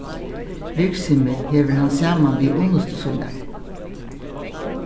virksemið hevur hann saman við unnustu sínari